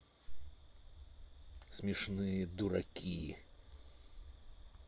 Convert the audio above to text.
смешные дураки